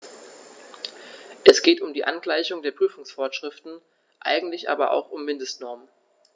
Es geht um die Angleichung der Prüfungsvorschriften, eigentlich aber auch um Mindestnormen.